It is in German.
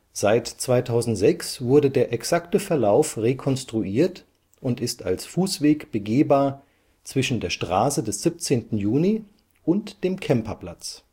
Seit 2006 wurde der exakte Verlauf rekonstruiert und ist als Fußweg begehbar zwischen der Straße des 17. Juni und dem Kemperplatz